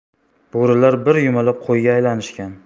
bo'rilar bir yumalab qo'yga aylanishgan